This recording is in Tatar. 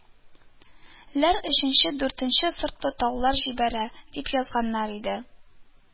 Ләр өченче, дүртенче сортлы тауар җибәрә, дип язганнар иде